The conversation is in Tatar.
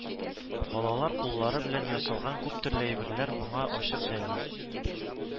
Балалар куллары белән ясалган күптөрле әйберләр моңа ачык дәлил